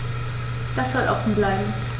Das soll offen bleiben.